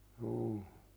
juu